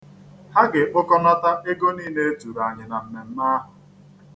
Ha ga-ekpokọnata ego niile e turu anyị na mmemme ahụ.